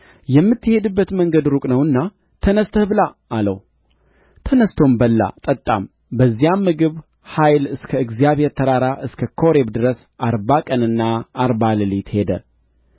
የምትሄድበት መንገድ ሩቅ ነውና ተነሥተህ ብላ አለው ተነሥቶም በላ ጠጣም በዚያም ምግብ ኃይል እስከ እግዚአብሔር ተራራ እስከ ኮሬብ ድረስ አርባ ቀንና አርባ ሌሊት ሄደ